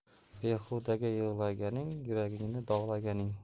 behudaga yig'laganing yuragingni dog'laganing